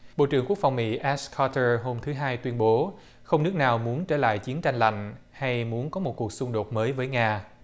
bộ trưởng quốc phòng mỹ át can tơ hôm thứ hai tuyên bố không nước nào muốn trở lại chiến tranh lạnh hay muốn có một cuộc xung đột mới với nga